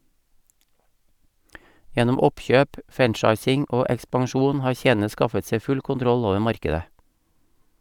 Gjennom oppkjøp, franchising og ekspansjon har kjedene skaffet seg full kontroll over markedet.